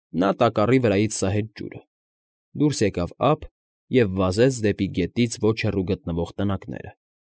Նա տակառի վրայից սահեց ջուրը, դուրս եկավ ափ և վազեց դեպի գետից ոչ հեռու գտնվող տնակները։